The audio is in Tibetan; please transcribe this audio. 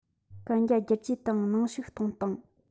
གན རྒྱ བསྒྱུར བཅོས དང ནང བཤུག གཏོང སྟངས